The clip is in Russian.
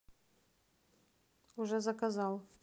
уже заказал